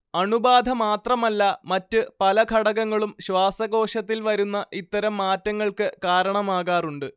അണുബാധ മാത്രമല്ല മറ്റ് പല ഘടകങ്ങളും ശ്വാസകോശത്തിൽ വരുന്ന ഇത്തരം മാറ്റങ്ങൾക്ക് കാരണമാകാറുണ്ട്